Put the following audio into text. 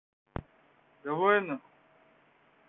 давай нахуй